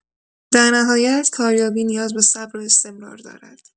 در نهایت، کاریابی نیاز به صبر و استمرار داره.